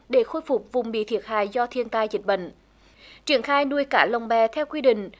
để khôi phục vùng bị thiệt hại do thiên tai dịch bệnh triển khai nuôi cá lồng bè theo quy định